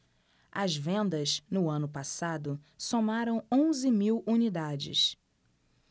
as vendas no ano passado somaram onze mil unidades